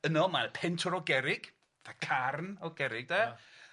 Yno mae Pentwr o Gerrig. 'Tha carn o gerrig 'de. Ia.